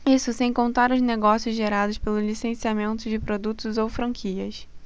isso sem contar os negócios gerados pelo licenciamento de produtos ou franquias